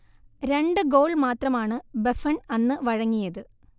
രണ്ട് ഗോൾ മാത്രമാണ് ബഫൺ അന്ന് വഴങ്ങിയത്